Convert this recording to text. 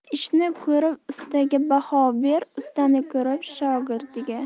ishni ko'rib ustaga baho ber ustani ko'rib shogirdiga